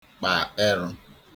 kpa erụ̄